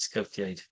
Scowtiaid.